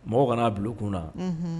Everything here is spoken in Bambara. Mɔgɔ kana'a bulon kun na